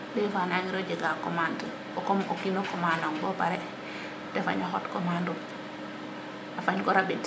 dés fois nangiro jega commande comme o kina commande ong bo pare te feño xot commande um a fañ ngo rabid